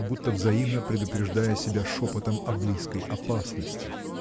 как будто взаимно предупреждая себя шепотом о близкой опасности.